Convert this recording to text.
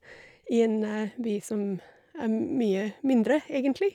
I en by som er mye mindre, egentlig.